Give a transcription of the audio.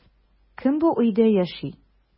Кем бу өйдә яши?